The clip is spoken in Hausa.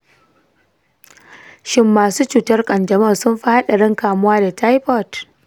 shin masu cutar kanjamau sun fi haɗarin kamuwa da taifoid?